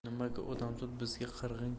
nimaga odamzod bizga